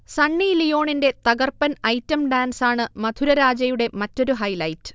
സണ്ണി ലിയോണിൻറെ തകർപ്പൻ ഐറ്റം ഡാൻസാണ് മധുരരാജയുടെ മറ്റൊരു ഹൈലൈറ്റ്